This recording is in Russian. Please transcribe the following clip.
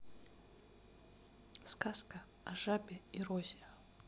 сказка о жабе и розе